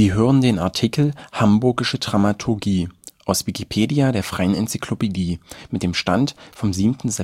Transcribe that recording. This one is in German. hören den Artikel Hamburgische Dramaturgie, aus Wikipedia, der freien Enzyklopädie. Mit dem Stand vom Der